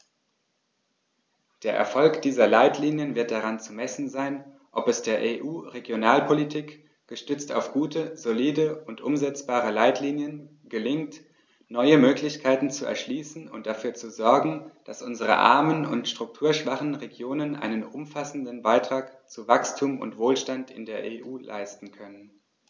Der Erfolg dieser Leitlinien wird daran zu messen sein, ob es der EU-Regionalpolitik, gestützt auf gute, solide und umsetzbare Leitlinien, gelingt, neue Möglichkeiten zu erschließen und dafür zu sorgen, dass unsere armen und strukturschwachen Regionen einen umfassenden Beitrag zu Wachstum und Wohlstand in der EU leisten können.